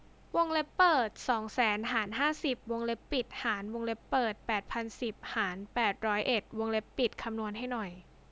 วงเล็บเปิดสองแสนหารห้าสิบวงเล็บปิดหารวงเล็บเปิดแปดพันสิบหารแปดร้อยเอ็ดวงเล็บปิดคำนวณให้หน่อย